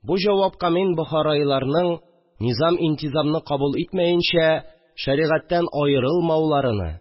Бу җавапка мин бохариларның, «низам-интизам»ны кабул итмәенчә, «шәригать»тән аерылмауларыны